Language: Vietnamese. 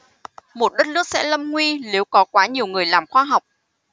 một đất nước sẽ lâm nguy nếu có quá nhiều người làm khoa học